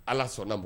Ala sɔnna bon